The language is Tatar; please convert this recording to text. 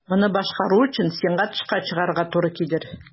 Моны башкару өчен сиңа тышка чыгарга туры килер.